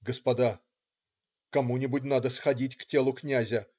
"Господа, кому-нибудь надо сходить к телу князя.